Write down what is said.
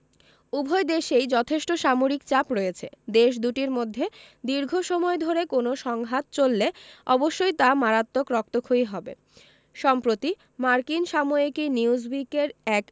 উভয় দেশেই যথেষ্ট সামরিক চাপ রয়েছে দেশ দুটির মধ্যে দীর্ঘ সময় ধরে কোনো সংঘাত চললে অবশ্যই তা মারাত্মক রক্তক্ষয়ী হবে সম্প্রতি মার্কিন সাময়িকী নিউজউইকের এক